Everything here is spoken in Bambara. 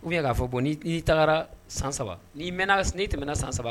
Komi k'a fɔ bɔn n ni n'i taarara san saba ni mɛn ni tɛmɛna san saba